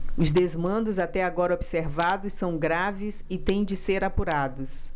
os desmandos até agora observados são graves e têm de ser apurados